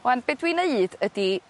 'wan be' dwi'n neud ydi